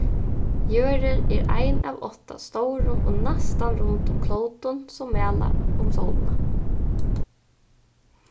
jørðin er ein av átta stórum og næstan rundum klótum sum mala um sólina